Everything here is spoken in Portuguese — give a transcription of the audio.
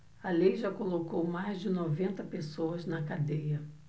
a lei já colocou mais de noventa pessoas na cadeia